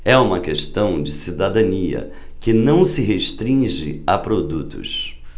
é uma questão de cidadania que não se restringe a produtos